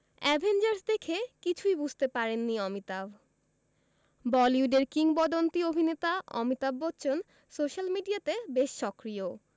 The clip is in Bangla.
অ্যাভেঞ্জার্স দেখে কিছুই বুঝতে পারেননি অমিতাভ বলিউডের কিংবদন্তী অভিনেতা অমিতাভ বচ্চন সোশ্যাল মিডিয়াতে বেশ সক্রিয়